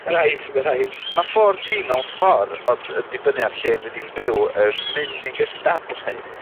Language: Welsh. ...rhaid ma' rhaid. Ma four gee mewn ffordd odd yn dibynnu a'r lle fy' 'di'n byw yn mynd i gystadlu